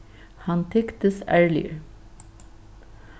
hann tyktist ærligur